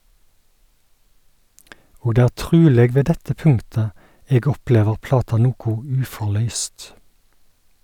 Og det er truleg ved dette punktet eg opplever plata noko uforløyst.